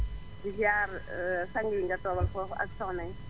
di ziyaar sang yi nga toogal foofu ak soxna yi